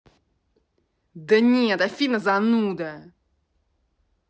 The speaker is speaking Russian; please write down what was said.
да нет афина зануда